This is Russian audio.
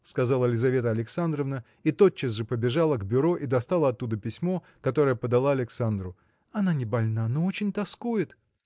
– сказала Лизавета Александровна и тотчас же побежала к бюро и достала оттуда письмо которое подала Александру. – Она не больна, но очень тоскует.